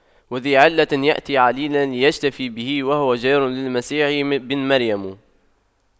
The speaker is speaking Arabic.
وذى علة يأتي عليلا ليشتفي به وهو جار للمسيح بن مريم